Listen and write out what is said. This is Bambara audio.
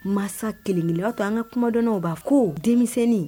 Mansa kelenkelen' to an ka kumadɔnw b'a ko denmisɛnnin